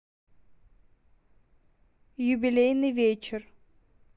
юбилейный вечер